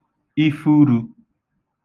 ifurū